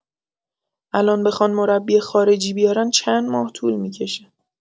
الان بخوان مربی خارجی بیارن چند ماه طول می‌کشه